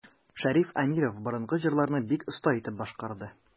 Шәриф Әмиров борынгы җырларны бик оста итеп башкарды.